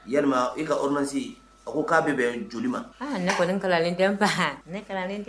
Yalima e ka ordonnance a ko k'a bɛ bɛn joli ma? Ah! ne kɔni kalan n fa, ne kalanen tɛ